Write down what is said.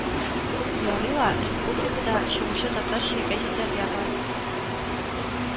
Ярыйла республикада чыгучы татарча гәзитләргә бар